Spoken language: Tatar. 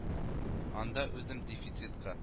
Анда үзем дефицит ка